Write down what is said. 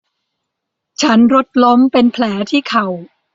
ฉันรถล้มเป็นแผลที่เข่า